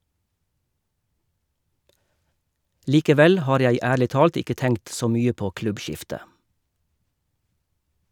Likevel har jeg ærlig talt ikke tenkt så mye på klubbskifte.